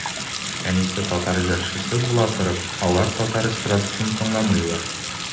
Әнисе татар җырчысы була торып, алар татар эстрадасын тыңламыйлар.